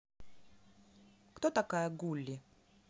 кто такая gulli